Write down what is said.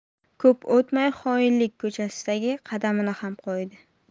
ko'p o'tmay xoinlik ko'chasidagi qadamini ham qo'ydi